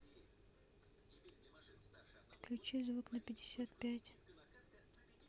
включить звук на пятьдесят пять